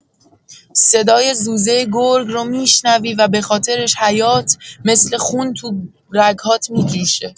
صدای زوزۀ گرگ رو می‌شنوی و بخاطرش حیات، مثل خون تو رگ‌هات می‌جوشه.